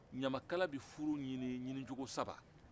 ɲamaka bɛɛ furu ɲini ɲinicogo saba